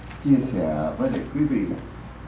chia sẻ với lại quý vị